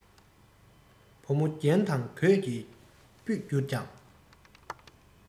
བུ མོ རྒྱན དང གོས ཀྱིས སྤུད གྱུར ཀྱང